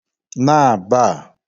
naàbaà